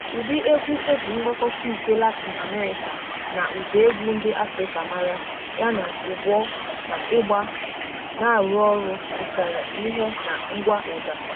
Ụdị egwu e ji ngwakọta ukwe Latin America na ụda egwu ndị Afrịka mara, yana ụbọ na ịgba na-arụ ọrụ pụtara ìhè na ngwaụda.